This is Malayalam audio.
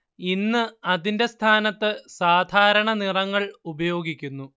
ഇന്ന് അതിന്റെ സ്ഥാനത്ത് സാധാരണ നിറങ്ങൾ ഉപയോഗിക്കുന്നു